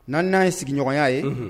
N n'a ye sigiɲɔgɔnya ye